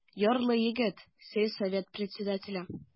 Ярлы егет, сельсовет председателе.